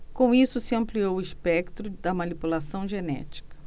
com isso se ampliou o espectro da manipulação genética